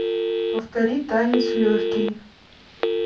повтори танец легкий